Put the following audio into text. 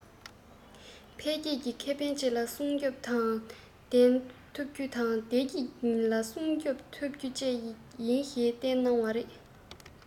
འཕེལ རྒྱས ཀྱི ཁེ ཕན བཅས ལ སྲུང སྐྱོབ ནུས ལྡན ཐུབ རྒྱུ དང བདེ སྐྱིད ལ སྲུང སྐྱོབ ཐུབ རྒྱུ བཅས ཡིན ཞེས བསྟན གནང བ རེད